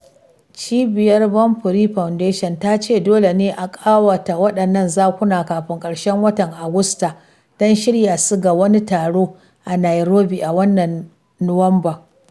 Cibiyar Born Free Foundation ta ce dole ne a ƙawata waɗannan zakuna kafin ƙarshen watan Agusta don shirya su ga wani taro a Nairobi a wannan Nuwamban.